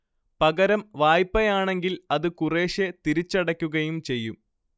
പകരം വായ്പയാണെങ്കിൽ അത് കുറേശേ തിരിച്ചടയ്ക്കുകയും ചെയ്യും